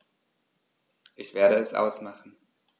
Ich werde es ausmachen